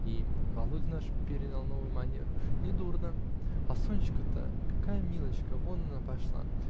и Володя наш перенял новую манеру. Недурно!. А Сонечка-то какая милочка?! вон она пошла.